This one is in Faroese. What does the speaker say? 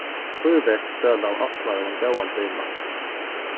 fýrverkssølan opnar um ein góðan tíma